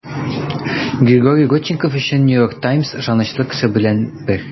Григорий Родченков өчен The New York Times ышанычлы кеше белән бер.